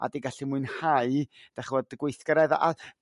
A 'di gallu mwynhau d'ch'mod y gweithgaredda' a